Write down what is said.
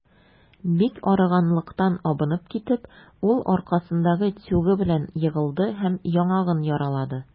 Бик арыганлыктан абынып китеп, ул аркасындагы тюгы белән егылды һәм яңагын яралады.